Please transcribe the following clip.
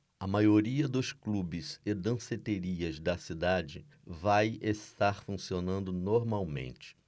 a maioria dos clubes e danceterias da cidade vai estar funcionando normalmente